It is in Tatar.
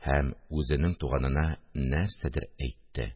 Һәм үзенең туганына нәрсәдер әйтте